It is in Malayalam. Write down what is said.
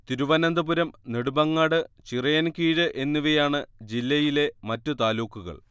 തിരുവനന്തപുരം നെടുമങ്ങാട് ചിറയൻകീഴ് എന്നിവയാണ് ജില്ലയിലെ മറ്റു താലൂക്കുകൾ